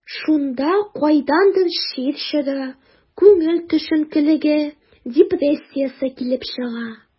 Шунда кайдандыр чир чоры, күңел төшенкелеге, депрессиясе килеп чыга.